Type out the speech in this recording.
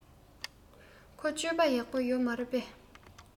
ཁོ སྤྱོད པ ཡག པོ ཡོད མ རེད པས